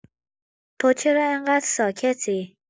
تو چرا این‌قدر ساکتی؟